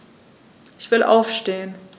Ich will aufstehen.